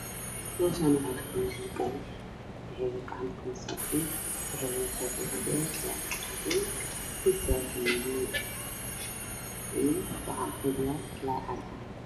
Meshaan waxaa fadhiyo gabar waxey gacanta ku haysaa buug